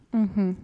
Unhun